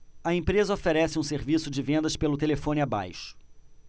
a empresa oferece um serviço de vendas pelo telefone abaixo